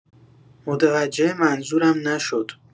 متوجه منظورم نشد.